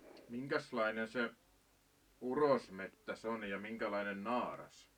minkäslainen se urosmetsäs on ja minkälainen naaras